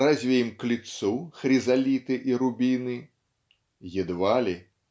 разве им к лицу хризолиты и рубины? Едва ли.